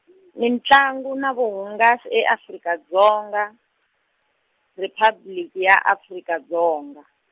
Mintlangu na Vuhungasi e Afrika Dzonga, Riphabliki ya Afrika Dzonga.